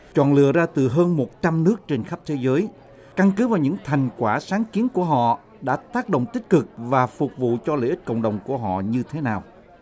chọn lựa ra từ hơn một trăm nước trên khắp thế giới căn cứ vào những thành quả sáng kiến của họ đã tác động tích cực và phục vụ cho lợi ích cộng đồng của họ như thế nào